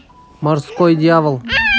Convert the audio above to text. морской дьявол